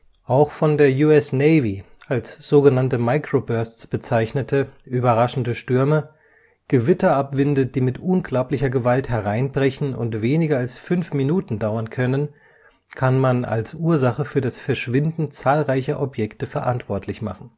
Auch von der amerikanischen United States Navy als so genannte Microbursts bezeichnete, überraschende Stürme, Gewitterabwinde, die mit unglaublicher Gewalt hereinbrechen und weniger als fünf Minuten dauern können, kann man als Ursache für das Verschwinden zahlreicher Objekte verantwortlich machen